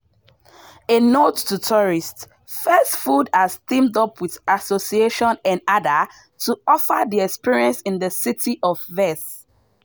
(A note to tourists: Fez Food has teamed up with Association ENNAHDA to offer the experience in the city of Fez.)